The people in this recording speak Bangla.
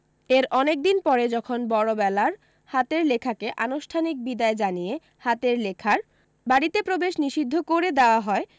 এর অনেকদিন পরে যখন বড়বেলার হাতের লেখাকে আনুষ্ঠানিক বিদায় জানিয়ে হাতের লেখার বাড়ীতে প্রবেশ নিষিদ্ধ করে দেওয়া হয়